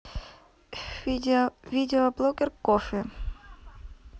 видеоблогер кофе